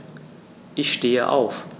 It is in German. Ich stehe auf.